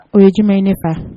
O ye jumɛn ne fa